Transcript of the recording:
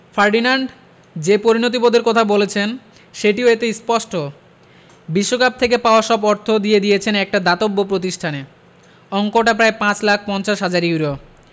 Ferdinand যে পরিণতিবোধের কথা বলেছেন সেটিও এতে স্পষ্ট বিশ্বকাপ থেকে পাওয়া সব অর্থ দিয়ে দিয়েছেন একটা দাতব্য প্রতিষ্ঠানে অঙ্কটা প্রায় ৫ লাখ ৫০ হাজার ইউরো